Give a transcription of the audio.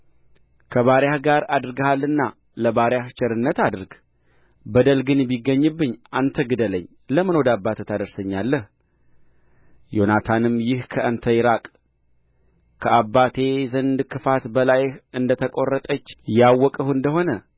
ከባሪያህ ጋር አድርገሃልና ለባሪያህ ቸርነት አድርግ በደል ግን ቢገኝብኝ አንተ ግደለኝ ለምን ወደ አባትህ ታደርሰኛለህ ዮናታንም ይህ ከአንተ ይራቅ ከአባቴ ዘንድ ክፋት በላይህ እንደ ተቈጠረች ያወቅሁ እንደ ሆነ